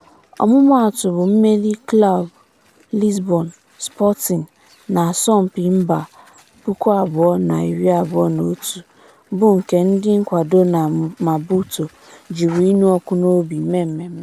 Ọmụmaatụ bụ mmeri klọb Lisbon Sporting na asọmpi mba 2021, bụ nke ndị nkwado na Maputo (Mozambique) jiri ịnụ ọkụ n'obi mee mmemme.